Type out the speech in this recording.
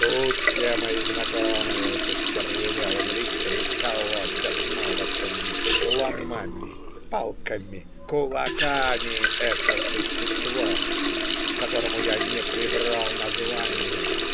Тут все мои знакомые с остервенелыми лицами колотят молотами, ломами, палками, кулаками это существо, которому я не прибрал названия.